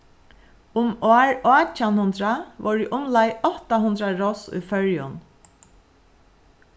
um ár átjan hundrað vóru umleið átta hundrað ross í føroyum